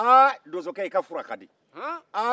aa donsokɛ i ka fura ka di